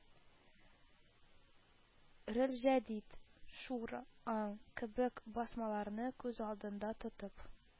Релҗәдид», «шура», «аң» кебек басмаларны күз алдында тотып